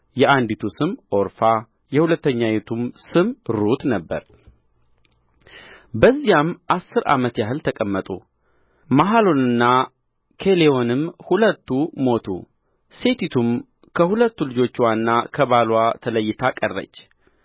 የአንዲቱ ስም ዖርፋ የሁለተኛይቱም ስም ሩት ነበረ በዚያም አሥር ዓመት ያህል ተቀመጡ መሐሎንና ኬሌዎንም ሁለቱ ሞቱ ሴቲቱም ከሁለቱ ልጆችዋና ከባልዋ ተለይታ ቀረች